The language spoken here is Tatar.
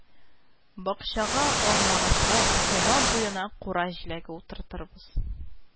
Бакчага алмагачлар, койма буена кура җиләге утыртырбыз